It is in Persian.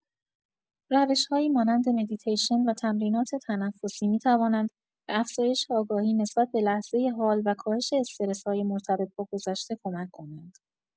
روش‌هایی مانند مدیتیشن و تمرینات تنفسی می‌توانند به افزایش آگاهی نسبت به لحظۀ حال و کاهش استرس‌های مرتبط با گذشته کمک کنند.